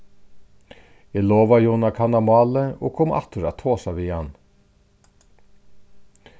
eg lovaði honum at kanna málið og koma aftur at tosa við hann